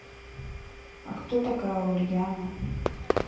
а кто такая ульяна